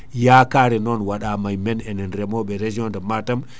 yakare non waɗa e men enen reemoɓe région de Matam